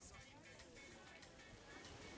иди нахуй вместе со своей подпиской иди нахуй иди нахуй